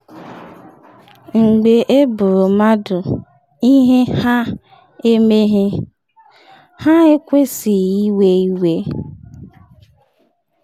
Mgbe eboro mmadụ ihe ha emeghị, ha ekwesịghị iwe iwe.